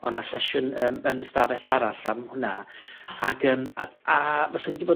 o' 'na sesiwn yym yn y stafell arall am hwnna. O. Ag yym, a, a faswn i 'di bod